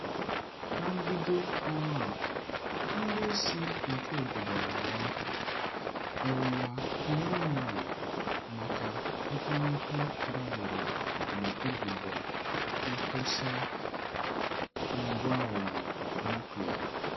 Na mbido ọnwa a, ndị isi nke obodo abụọ ahụ hụrụ na Pyongyang maka ekwumekwu gbadoro na ụbụbọ mkposa ngwa ọgụ nuklịa.